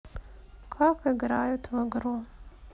как играют в игру